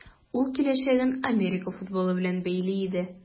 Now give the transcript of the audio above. Ул киләчәген Америка футболы белән бәйли иде.